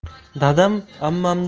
dadam ammamdan hayiqqani